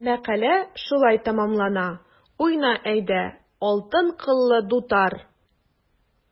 Мәкалә шулай тәмамлана: “Уйна, әйдә, алтын кыллы дутар!"